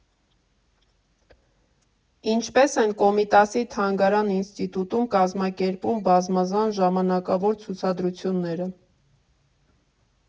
Ինչպես են Կոմիտասի թանգարան֊ինստիտուտում կազմակերպում բազմազան ժամանակավոր ցուցադրությունները։